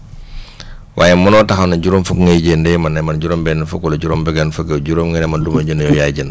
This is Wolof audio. waaye mënoo taxaw ne juróom-fukk ngay jëndee man ne ma man juróom-benn fukk juróom-benn fukk ak juróom nga ne man du ma jënd yow yaay jënd